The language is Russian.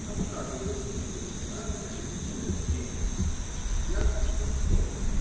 Там оказывается, что и я, наконец, принят. Я в восторге.